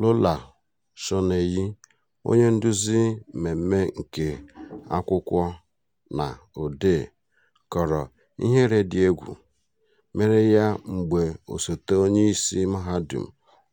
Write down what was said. Lola Shoneyin, onye nduzi mmemme nke akwụkwọ na odee, kọrọ "ihere dị egwu" mere ya mgbe Osote Onyeisi Mahadum